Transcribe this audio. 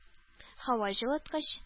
Һаваҗылыткыч